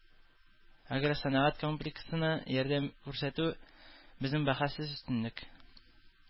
“агросәнәгать комплексына ярдәм күрсәтү – безнең бәхәссез өстенлек”